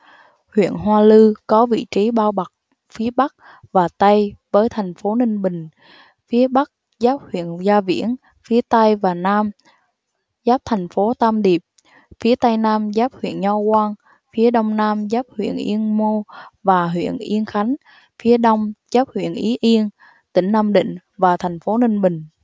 huyện hoa lư có vị trí bao bọc phía bắc và tây với thành phố ninh bình phía bắc giáp huyện gia viễn phía tây và nam giáp thành phố tam điệp phía tây nam giáp huyện nho quan phía đông nam giáp huyện yên mô và huyện yên khánh phía đông giáp huyện ý yên tỉnh nam định và thành phố ninh bình